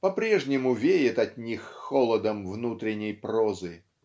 попрежнему веет от них холодом внутренней прозы.